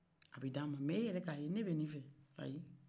a bɛ d'an ma mɛ e yɛrɛ k'a ye ne bɛ nin fɛ ayi